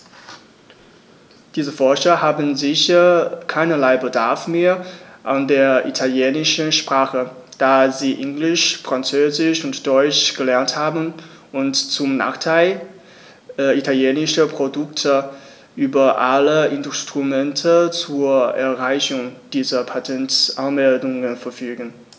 Diese Forscher haben sicher keinerlei Bedarf mehr an der italienischen Sprache, da sie Englisch, Französisch und Deutsch gelernt haben und, zum Nachteil italienischer Produkte, über alle Instrumente zur Einreichung dieser Patentanmeldungen verfügen.